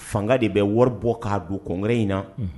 Fanga de bɛ wari bɔ ka don Congrès in na.